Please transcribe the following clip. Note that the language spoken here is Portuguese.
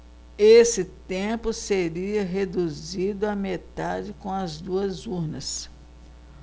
esse tempo seria reduzido à metade com as duas urnas